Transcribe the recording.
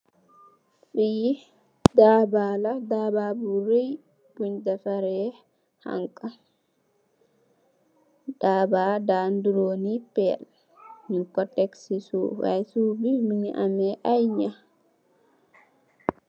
Lii daarbah la, daarbah bu reiy bungh defarreh khanka, daarbah daa nduroh nii pehll bii, njung kor tek cii suff, yy suff bii mungy ameh aiiy njahh.